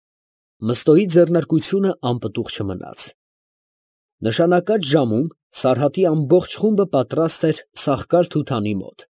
Մըստոյի ձեռնարկությունը անպտուղ չմնաց. նշանակած ժամում Սարհատի ամբողջ խումբը պատրաստ էր Սախկալ֊Թութանի մոտ։